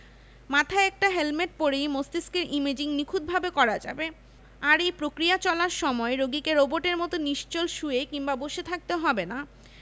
মাথায় একটা হেলমেট পরেই মস্তিষ্কের ইমেজিং নিখুঁতভাবে করা যাবে আর এই প্রক্রিয়া চলার সময় রোগীকে রোবটের মতো নিশ্চল শুয়ে কিংবা বসে থাকতে হবে না